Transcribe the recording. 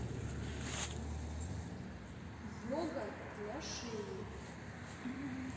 йога для шеи